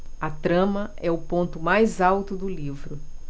a trama é o ponto mais alto do livro